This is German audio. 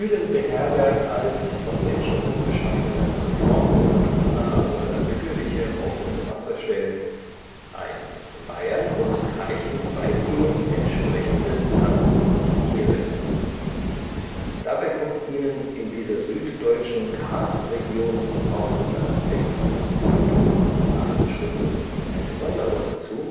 Hülen beherbergen als (von Menschenhand geschaffene, geformte naturnahe oder natürliche) offene Wasserstellen eine Weihern und Teichen weitgehend entsprechende Pflanzen - und Tierwelt. Dabei kommt ihnen in dieser süddeutschen Karstregion auch unter Aspekten des Biotop - und Artenschutzes eine Sonderrolle zu,